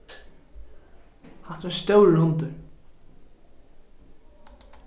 hatta er ein stórur hundur